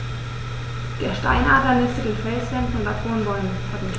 Der Steinadler nistet in Felswänden und auf hohen Bäumen.